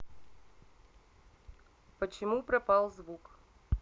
почему пропал звук